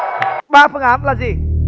ba phương án là gì